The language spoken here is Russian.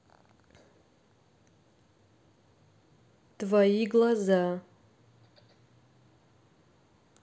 твои глаза